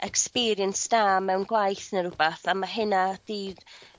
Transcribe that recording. experience da mewn gwaith ne' rwbath a ma' hynna 'di